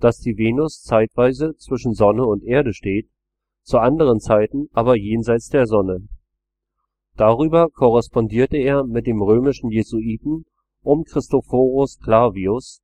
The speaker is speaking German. dass die Venus zeitweise zwischen Sonne und Erde steht, zu anderen Zeiten aber jenseits der Sonne. Darüber korrespondierte er mit den römischen Jesuiten um Christophorus Clavius